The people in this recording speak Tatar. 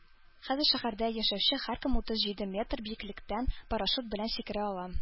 Хәзер шәһәрдә яшәүче һәркем утыз җиде метр биеклектән парашют белән сикерә ала